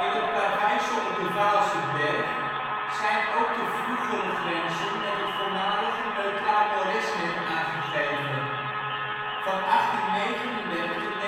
het plaveisel op de Vaalserberg zijn ook de vroegere grenzen met het voormalige Neutraal Moresnet aangegeven. Van 1839 tot 1919